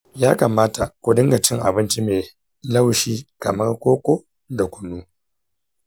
yakamata ku riƙa cin abinci mai laushi kamar koko da kunu.